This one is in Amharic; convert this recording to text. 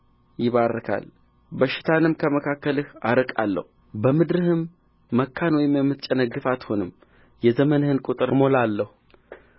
ይባርካል በሽታንም ከመካከልህ አርቃለሁ በምድርህም መካን ወይም የምትጨነግፍ አትሆንም የዘመንህን ቍጥር እሞላለሁ